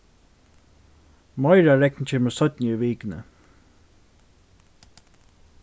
meira regn kemur seinni í vikuni